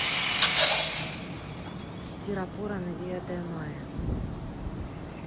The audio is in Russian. стиропора на девятое мая